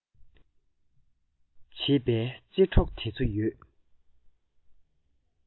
བྱེད པའི རྩེད གྲོགས དེ ཚོ ཡོད